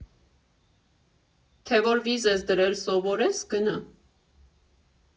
Թե որ վիզ ես դրել սովորես՝ գնա։